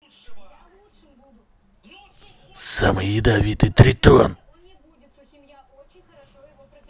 самый ядовитый тритон